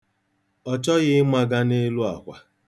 Ọ chọghị ịmaga n'elu akwa.